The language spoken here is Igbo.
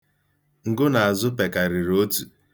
Ngụnazụ pekarịrị otu.